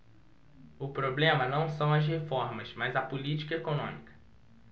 o problema não são as reformas mas a política econômica